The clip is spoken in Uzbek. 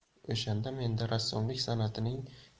o'shanda menda rassomlik san'atining